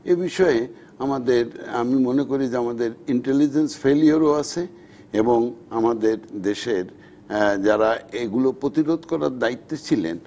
এ বিষয়ে আমাদের আমি মনে করি যে আমাদের ইন্টেলিজেন্স ফেলিওর ও আছে এবং আমাদের দেশের যারা এগুলো প্রতিরোধ করার দায়িত্বে ছিলেন